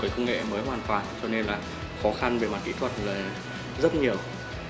với công nghệ mới hoàn toàn cho nên là khó khăn về mặt kỹ thuật là rất nhiều